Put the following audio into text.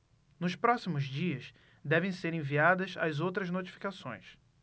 nos próximos dias devem ser enviadas as outras notificações